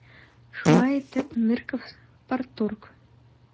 Шулай итеп, Нырков - парторг.